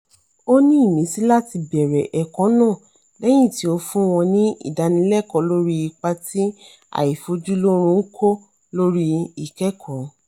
Ó ní ìmísí láti bẹ̀rẹ̀ ẹ̀kọ́ náà lẹ́yìn tí ó fún wọn ní ìdánilẹ́kọ̀ọ́ lórí ipa tí àìfójúlóoorun ń kó lórí ìkẹ́kọ̀ọ́.